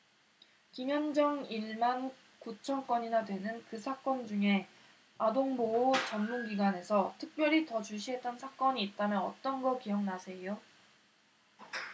김현정 일 만 구천 건이나 되는 그 사건 중에 아동보호 전문기관에서 특별히 더 주시했던 사건이 있다면 어떤 거 기억나세요